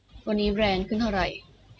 วันนี้แบรนด์ขึ้นเท่าไหร่